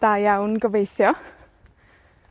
Da iawn, gobeithio.